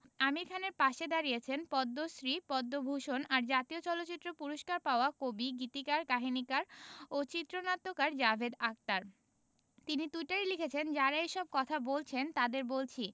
আমির খানের পাশে দাঁড়িয়েছেন পদ্মশ্রী পদ্মভূষণ আর জাতীয় চলচ্চিত্র পুরস্কার পাওয়া কবি গীতিকার কাহিনিকার ও চিত্রনাট্যকার জাভেদ আখতার তিনি টুইটারে লিখেছেন যাঁরা এসব কথা বলছেন তাঁদের বলছি